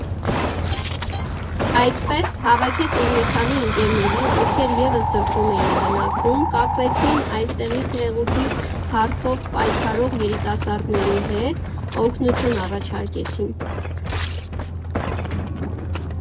Այդպես, հավաքեց իր մի քանի ընկերների, ովքեր ևս դրսում էին բնակվում, կապվեցին այստեղի Թեղուտի հարցով պայքարող երիտասարդների հետ, օգնություն առաջարկեցին։